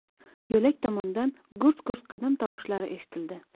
yo'lak tomondan gurs gurs qadam tovushlari eshitildi